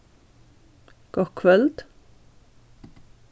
gott kvøld